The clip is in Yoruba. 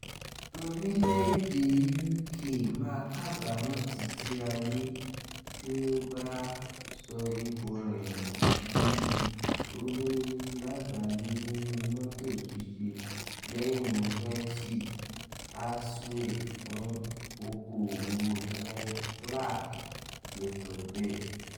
Orílẹ̀ èdè UK "má kábámọ̀ títí ayé" tí ó bá sọ ipò rẹ̀ nù bíi olórí lágbàáyé nínú mọ́tò ṣiṣẹ́ lẹ́yìn Brexit, àkswé fún okòòwò Greg Clark ló sọ bẹ́ẹ.